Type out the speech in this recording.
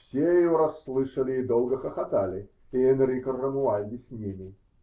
Все его расслышали, и долго хохотали, и Энрико Ромуальди с ними. .